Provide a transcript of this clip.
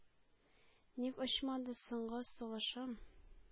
Ник очмады соңгы сулышым,